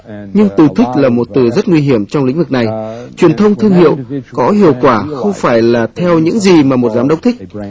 nhưng từ thích là một từ rất nguy hiểm trong lĩnh vực này truyền thông thương hiệu có hiệu quả không phải là theo những gì mà một giám đốc thích